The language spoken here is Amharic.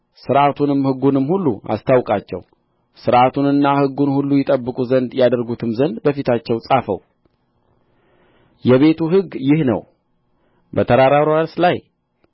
ሥርዓቱንና ሕጉን ሁሉ ይጠብቁ ዘንድ ያደርጉትም ዘንድ በፊታቸው ጻፈው የቤቱ ሕግ ይህ ነው በተራራው ራስ ላይ